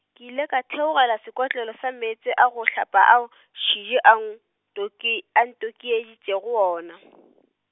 ke ile ka theogela sekotlelo sa meetse a go hlapa ao Tshidi a, ntoki, a ntokišeditšego ona.